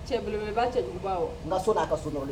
Cɛ'a cɛ n so a ka so